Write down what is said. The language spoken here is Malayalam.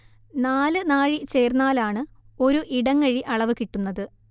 നാല് നാഴി ചേർന്നാലാണ് ഒരു ഇടങ്ങഴി അളവ് കിട്ടുന്നത്